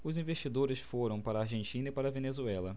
os investidores foram para a argentina e para a venezuela